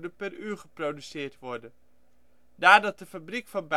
per uur geproduceerd worden. Nadat de fabriek van